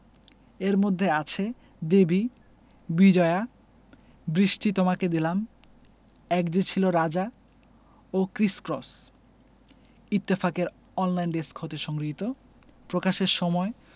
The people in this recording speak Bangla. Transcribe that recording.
এর মধ্যে আছে দেবী বিজয়া বৃষ্টি তোমাকে দিলাম এক যে ছিল রাজা ও ক্রিস ক্রস ইত্তেফাক এর অনলাইন ডেস্ক হতে সংগৃহীত প্রকাশের সময়